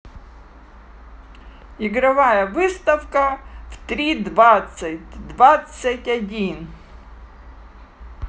игровая выставка е три двадцать двадцать один